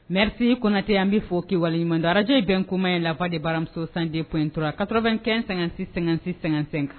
Ris kɔnɔnatɛ an bɛ fɔ' waleɲuman darakajɛ in bɛn kumama ye la de baramuso sanden pe intura katɔbɛn kɛ--sɛ-sɛ-sɛ kan